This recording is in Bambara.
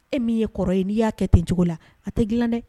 E min ye kɔrɔ ye n'i y'a kɛcogo la a tɛ dilan dɛ